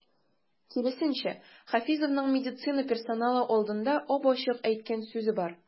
Киресенчә, Хафизовның медицина персоналы алдында ап-ачык әйткән сүзе бар.